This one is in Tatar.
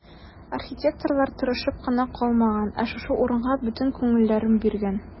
Архитекторлар тырышып кына калмаган, ә шушы урынга бөтен күңелләрен биргән.